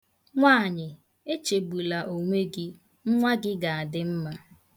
Nwaanyị, echegbula onwe gị. Nwa gị ga-adị mma.